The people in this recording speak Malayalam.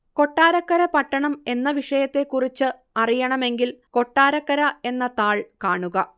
കൊട്ടാരക്കര പട്ടണം എന്ന വിഷയത്തെക്കുറിച്ച് അറിയണമെങ്കിൽ കൊട്ടാരക്കര എന്ന താൾ കാണുക